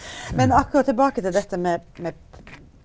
men akkurat tilbake til dette med med.